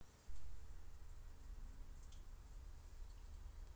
скажи мне что то